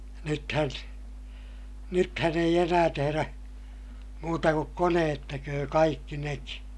nythän nythän ei enää tehdä muuta kuin koneet tekee kaikki nekin